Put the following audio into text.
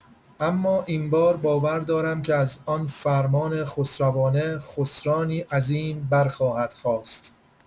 اما این بار باور دارم که از آن فرمان خسروانه، خسرانی عظیم بر خواهد خاست.